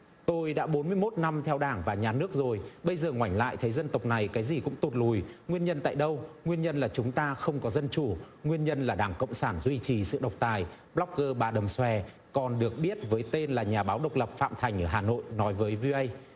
tôi đã bốn mươi mốt năm theo đảng và nhà nước rồi bây giờ ngoảnh lại thấy dân tộc này cái gì cũng tụt lùi nguyên nhân tại đâu nguyên nhân là chúng ta không có dân chủ nguyên nhân là đảng cộng sản duy trì sự độc tài bờ lóc gơ bà đầm xòe còn được biết với tên là nhà báo độc lập phạm thành ở hà nội nói với vi ô ây